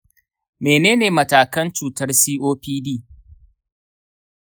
menene matakan cutar copd?